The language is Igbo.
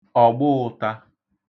ọ̀gbụụ̄tā